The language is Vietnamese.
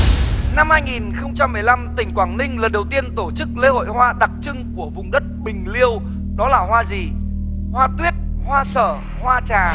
năm hai nghìn không trăm mười lăm tỉnh quảng ninh lần đầu tiên tổ chức lễ hội hoa đặc trưng của vùng đất bình liêu đó là hoa gì hoa tuyết hoa sở hoa trà